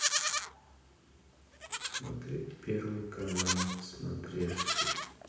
смотреть первый канал сматрешки